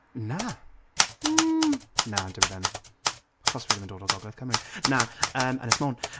Na, mm... na dyw e ddim... chos fi ddim yn dod o Gogledd Cymru, na... Ynys Môn.